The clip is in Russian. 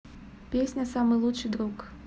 песня самый лучший друг